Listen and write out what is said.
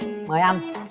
mời anh